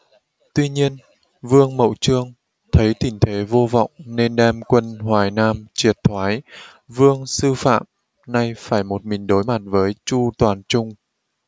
tuy nhiên vương mậu chương thấy tình thế vô vọng nên đem quân hoài nam triệt thoái vương sư phạm nay phải một mình đối mặt với chu toàn trung